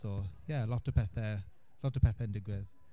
So ie lot o pethe, lot o pethe'n digwydd.